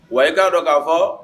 Wa i k'a dɔn k'a fɔ